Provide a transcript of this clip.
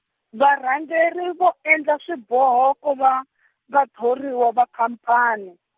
varhangeri vo endla swiboho ku va , vathoriwa va khamphani.